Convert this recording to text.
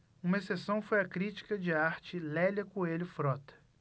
uma exceção foi a crítica de arte lélia coelho frota